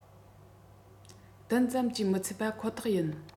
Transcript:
བདུན ཙམ གྱིས མི ཚད པ ཁོ ཐག ཡིན